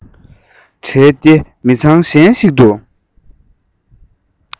བྲལ ཏེ མི ཚང གཞན ཞིག ཏུ